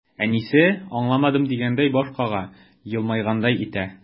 Әнисе, аңладым дигәндәй баш кага, елмайгандай итә.